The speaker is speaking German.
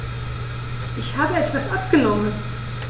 Ich habe etwas abgenommen.